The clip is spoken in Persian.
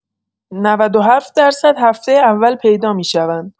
۹۷ درصد هفته اول پیدا می‌شوند.